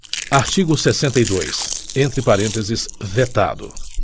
artigo sessenta e dois entre parênteses vetado